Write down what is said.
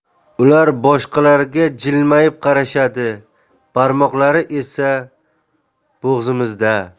ular boshqalarga jilmayib qarashadi barmoqlari esa bo'g'zimizda